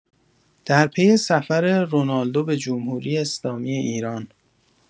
درپی سفر رونالدو به جمهوری‌اسلامی ایران